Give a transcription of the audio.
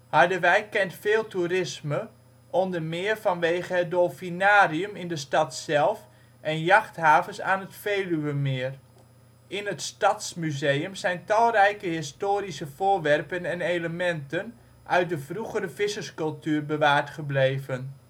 Harderwijk kent veel toerisme, onder meer vanwege het dolfinarium in de stad zelf en jachthavens aan het Veluwemeer. In het Stadsmuseum zijn talrijke historische voorwerpen en elementen uit de vroegere visserscultuur bewaard gebleven